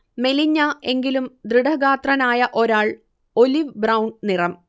മെലിഞ്ഞ, എങ്കിലും ദൃഢഗാത്രനായ ഒരാൾ, ഒലിവ്-ബ്രൗൺ നിറം